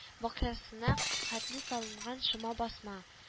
Баскычына хәтле салынган шома басма